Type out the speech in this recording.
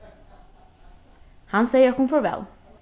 hann segði okkum farvæl